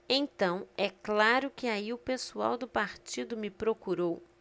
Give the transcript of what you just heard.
então é claro que aí o pessoal do partido me procurou